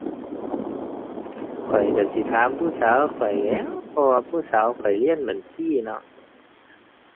ข้อยก็สิถามผู้สาวข้อยแหล้ว เพราะว่าผู้สาวข้อยเรียนบัญชีเนาะ